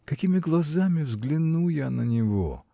какими глазами взгляну я на него!